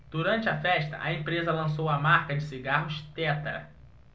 durante a festa a empresa lançou a marca de cigarros tetra